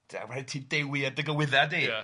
De, rhaid ti dewi ar dy gywydda' di... Ia